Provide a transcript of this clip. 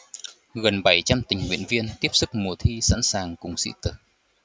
gần bảy trăm tình nguyện viên tiếp sức mùa thi sẵn sàng cùng sĩ tử